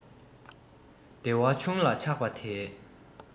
བདེ བ ཆུང ལ ཆགས པ དེས